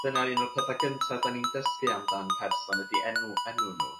Dyna un o'r petha gyntaf 'dan ni'n dysgu amdan person ydi enw enw n'w.